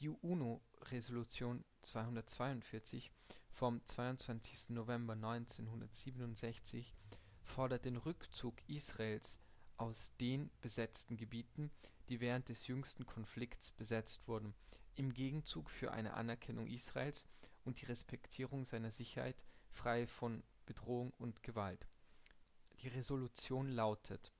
Die UN-Resolution 242 vom 22. November 1967 fordert den Rückzug Israels „ aus ((den)) besetzten Gebieten, die während des jüngsten Konfliktes besetzt wurden” im Gegenzug für eine Anerkennung Israels und die Respektierung seiner Sicherheit „ frei von Bedrohung und Gewalt”. Die Resolution lautet